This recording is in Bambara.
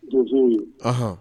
Donso h